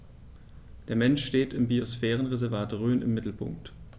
Der Mensch steht im Biosphärenreservat Rhön im Mittelpunkt.